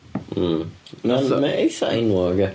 Mm... Wnaeth o. ...Ma' o eitha enwog ia.